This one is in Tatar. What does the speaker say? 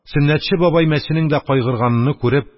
Сөннәтче бабай, мәченең дә кайгырганыны күреп,